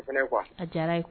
O fana quoi _ .A diyar'a ye.